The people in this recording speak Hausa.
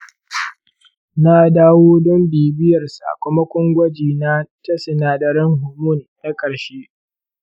na dawo don bibiyar sakamakon gwaji na ta sinadaran hormone na ƙarshe.